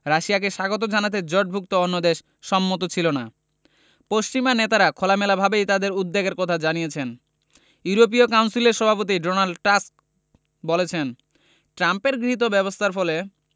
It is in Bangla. রাশিয়াকে স্বাগত জানাতে জোটভুক্ত অন্য দেশ সম্মত ছিল না পশ্চিমা নেতারা খোলামেলাভাবেই তাঁদের উদ্বেগের কথা জানিয়েছেন ইউরোপীয় কাউন্সিলের সভাপতি ডোনাল্ড টাস্ক বলেছেন ট্রাম্পের গৃহীত ব্যবস্থার ফলে